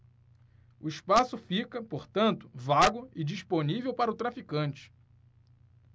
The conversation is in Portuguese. o espaço fica portanto vago e disponível para o traficante